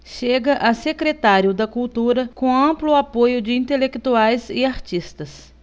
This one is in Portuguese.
chega a secretário da cultura com amplo apoio de intelectuais e artistas